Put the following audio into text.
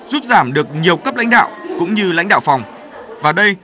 giúp giảm được nhiều cấp lãnh đạo cũng như lãnh đạo phòng và đây